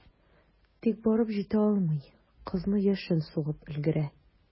Тик барып җитә алмый, кызны яшен сугып өлгерә.